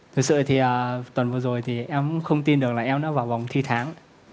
thực sự thì tuần vừa rồi thì em cũng không tin được là em đã vào vòng thi tháng